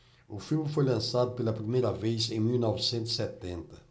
o filme foi lançado pela primeira vez em mil novecentos e setenta